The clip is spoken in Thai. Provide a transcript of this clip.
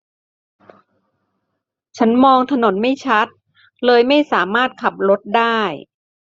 ฉันมองถนนไม่ชัดเลยไม่สามารถขับรถได้